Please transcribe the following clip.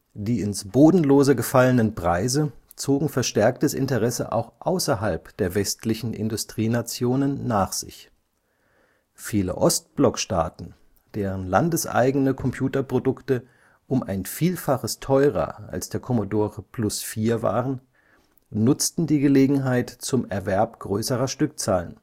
Die ins Bodenlose gefallenen Preise zogen verstärktes Interesse auch außerhalb der westlichen Industrienationen nach sich. Viele Ostblock-Staaten, deren landeseigene Computerprodukte um ein Vielfaches teurer als der Commodore Plus/4 waren, nutzten die Gelegenheit zum Erwerb größerer Stückzahlen